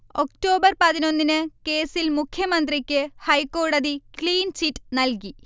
October പതിനൊന്നിന് കേസിൽ മുഖ്യമന്ത്രിക്ക് ഹൈക്കോടതി ക്ലീൻചിറ്റ് നൽകി